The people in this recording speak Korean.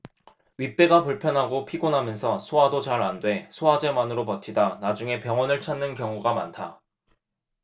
윗배가 불편하고 피곤하면서 소화도 잘 안 돼 소화제만으로 버티다 나중에 병원을 찾는 경우가 많다